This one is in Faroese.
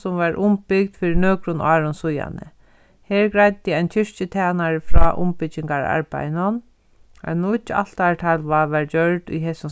sum var umbygd fyri nøkrum árum síðani her greiddi ein kirkjutænari frá umbyggingararbeiðinum ein nýggj varð gjørd í hesum